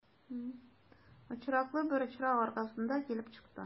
Очраклы бер очрак аркасында килеп чыкты.